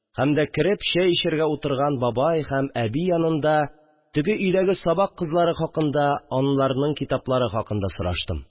Һәм дә, кереп, чәй эчәргә утырган бабай һәм әби янында теге өйдә сабак кызлары хакында, аларның китаплары хакында сораштым